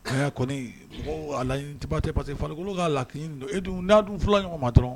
Ee kɔni mɔgɔw, alaɲini ba tɛ parce que farisogo ka n'a dun fulalaɲɔgɔn ma dɔrɔn